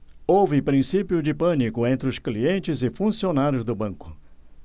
houve princípio de pânico entre os clientes e funcionários do banco